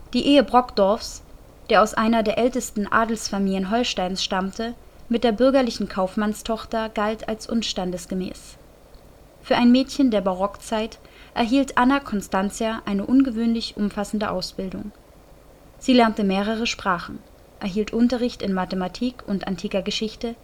Die Ehe Brockdorffs, der aus einer der ältestens Adelsfamilien Holsteins stammte, mit der bürgerlichen Kaufmannstochter galt als unstandesgemäß. Für ein Mädchen der Barockzeit erhielt Anna Constantia eine ungewöhnlich umfassende Ausbildung: Sie lernte mehrere Sprachen, erhielt Unterricht in Mathematik und antiker Geschichte